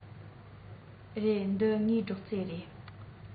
རེད འདི ངའི སྒྲོག ཙེ རེད